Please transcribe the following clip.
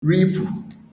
ripụ̀